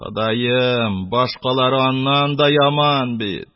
Ходаем, башкалары аннан да яман бит